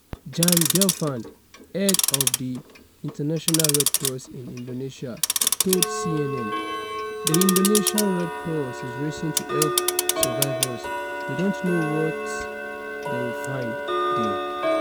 Jan Gelfand, head of the International Red Cross in Indonesia, told CNN: "The Indonesian Red Cross is racing to help survivors but we don't know what they'll find there.